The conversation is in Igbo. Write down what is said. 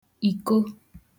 ìko